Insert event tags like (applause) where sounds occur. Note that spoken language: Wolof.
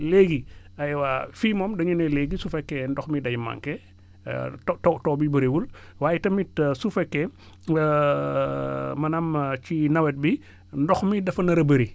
léegi aywa fii moom dañu ne léegi su fekkee ndox mi day manqué (hesitation) taw taw taw bi bariwul (breath) waaye tamit su fekkee (breath) (hesitation) maanaam ci nawet bi ndox mi dafa nar a bari